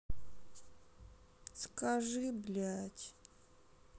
скажи блять